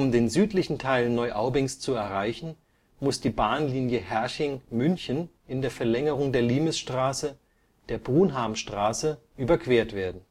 den südlichen Teil Neuaubings zu erreichen, muss die Bahnlinie Herrsching – München in der Verlängerung der Limesstraße, der Brunhamstraße, überquert werden